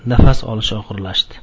nafas olishi og'irlashdi